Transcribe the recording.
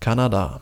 Kanada